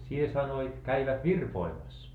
sinä sanoit kävivät virpomassa